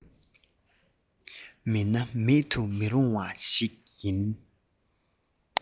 མི སྣ མེད དུ མི རུང བ ཞིག ཡིན